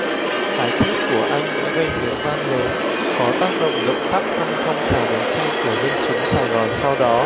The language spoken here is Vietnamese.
cái chết của anh đã gây tiếng vang lớn có tác động rộng khắp trong phong trào đấu tranh của dân chúng sài gòn sau đó